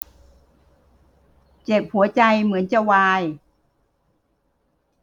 เจ็บหัวใจเหมือนจะวาย